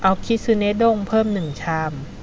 เอาคิสึเนะอุด้งเพิ่มหนึ่งชาม